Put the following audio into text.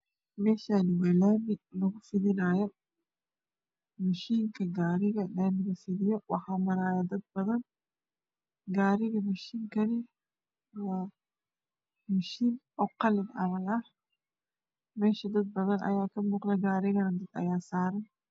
Meeshaani waa laami lagu fidinaayo mishiinka gaariga laamiga fidiyo waxaa maraayo dad badan